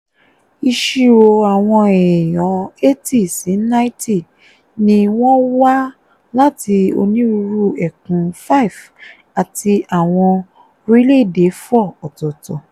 Ìṣirò àwọn èèyàn 80 sí 90 ni wọ́n wá láti onírúurú ẹkùn 5 àti àwọn orílẹ̀-èdè 4 ọ̀tọ̀ọ̀tọ̀.